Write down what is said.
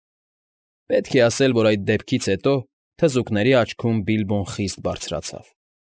Պետք է ասել, որ այդ դեպքից հետո թզուկների աչքում Բիլբոն խիստ բարձրացավ։